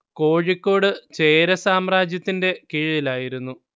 കോഴിക്കോട് ചേര സാമ്രാജ്യത്തിന്റെ കീഴിലായിരുന്നു